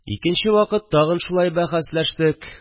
Икенче вакыт тагын шулай бәхәсләштек